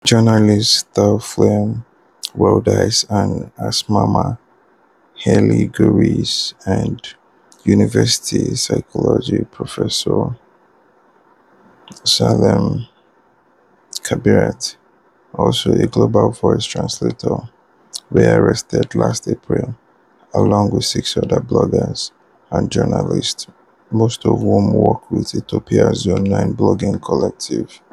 Journalists Tesfalem Waldyes and Asmamaw Hailegiorgis and university philosophy professor Zelalem Kiberet, also a Global Voices translator, were arrested last April along with six other bloggers and journalists, most of whom worked with Ethiopia’s Zone9 blogging collective.